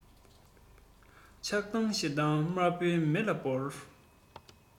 ཆགས སྡང ཞེ སྡང དམར པོའི མེ ལ སྤོར